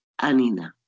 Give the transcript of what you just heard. a ninnau.